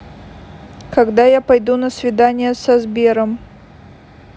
когда я пойду на свидание со сбером